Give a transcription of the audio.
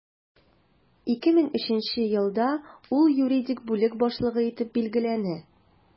2003 елда ул юридик бүлек башлыгы итеп билгеләнә.